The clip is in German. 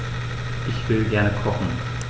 Ich will gerne kochen.